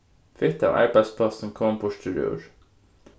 fitt av arbeiðsplássum kom burturúr